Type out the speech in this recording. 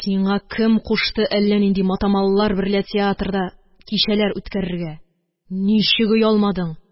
Сиңа кем кушты әллә нинди матамаллар берлә театрда кичәләр үткәрергә, ничек оялмадың?